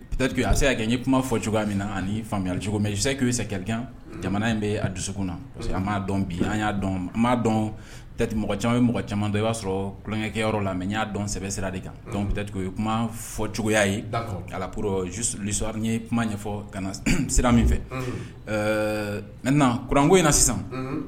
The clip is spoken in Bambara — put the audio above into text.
A se' kɛ ye kuma fɔ cogoya min na ani faamuyaya cogo se se ka jamana in bɛ a dusukun na parce an m'a dɔn bi an'a dɔn' dɔn caman ye mɔgɔ camandɔ i b'a sɔrɔ tulonkɛ yɔrɔ la mɛ n y'a dɔn sɛbɛnbɛ sira de kan bɛcogo kuma fɔ cogoya ye alap lisari ye kuma ɲɛfɔ ka sira min fɛ n kuranko in na sisan